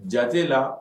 Jate la